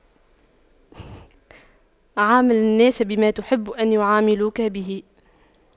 عامل الناس بما تحب أن يعاملوك به